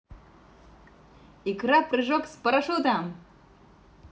икра прыжок с парашютом